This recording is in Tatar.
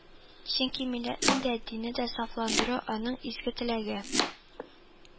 Чөнки милләтне дә, динне дә сафландыру аның изге теләге